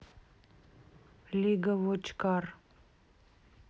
лига воч кар